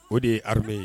O de ye me ye